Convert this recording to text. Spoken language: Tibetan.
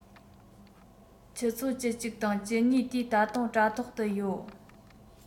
ཆུ ཚོད བཅུ གཅིག དང བཅུ གཉིས དུས ད དུང དྲ ཐོག ཏུ ཡོད